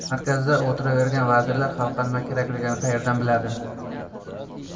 markazda o'tiravergan vazirlar xalqqa nima kerakligini qayerdan biladi